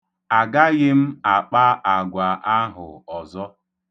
Agaghị m akpa agwa ahụ ọzọ.